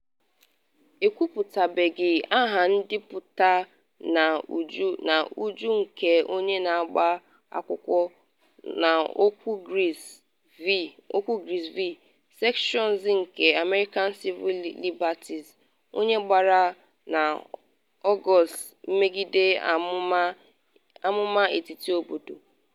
Ekwuputabeghị aha ndepụta n’uju nke onye na-agba akwụkwọ n’okwu Grace v. Sessions nke American Civil Liberties Union gbara na Ọgọst megide amụma etiti obodo.